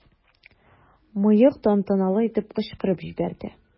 "мыек" тантаналы итеп кычкырып җибәрде.